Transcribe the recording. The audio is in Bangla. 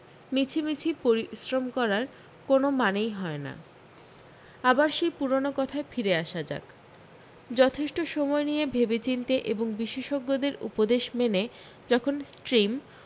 মিছিমিছি পরিশ্রম করার কোনও মানেই হয় না আবার সেই পুরনো কথায় ফিরে আসা যাক যথেষ্ট সময় নিয়ে ভেবেচিন্তে এবং বিশেষজ্ঞদের উপদেশ মেনে যখন স্ট্রিম